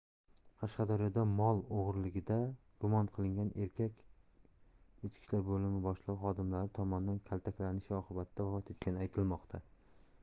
qashqadaryoda mol o'g'riligida gumon qilingan erkak iib xodimlari tomonidan kaltaklanishi oqibatida vafot etgani aytilmoqda